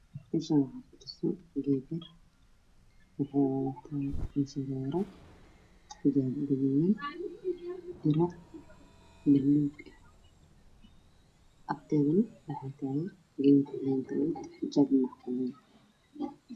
Meesha waa hool waxaa fadhiya gabdho waxay wataan xijaab kala rido kala yihiin midowga gudub jaal ah